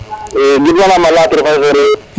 i gidma nama Latir Faye fene